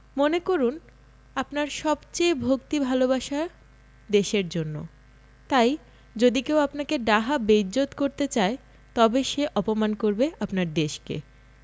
মনে করুন আপনার সবচেয়ে ভক্তি ভালবাসা দেশের জন্য তাই যদি কেউ আপনাকে ডাহা বেইজ্জত্ করতে চায় তবে সে অপমান করবে আপনার দেশকে